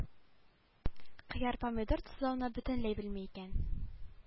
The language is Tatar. Кыяр-помидор тозлауны бөтенләй белми икән